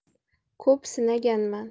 ko'p sinaganman